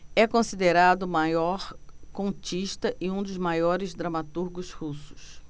é considerado o maior contista e um dos maiores dramaturgos russos